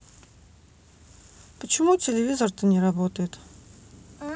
почему телевизор то не работает